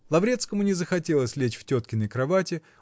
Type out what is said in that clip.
Лаврецкому не захотелось лечь в теткиной кровати